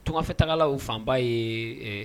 Tungafɛ tagalaw fanba ye